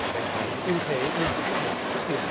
cái cái ưu thế nhưng cũng là một cái khuyết điểm